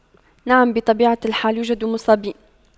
نعم بطبيعة الحال يوجد مصابين